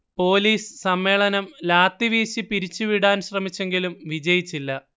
police സമ്മേളനം ലാത്തിവീശി പിരിച്ചുവിടാൻ ശ്രമിച്ചെങ്കിലും വിജയിച്ചില്ല